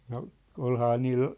no olihan niillä